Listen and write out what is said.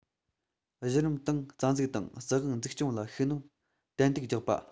གཞི རིམ ཏང རྩ འཛུགས དང སྲིད དབང འཛུགས སྐྱོང ལ ཤུགས སྣོན ཏན ཏིག རྒྱག པ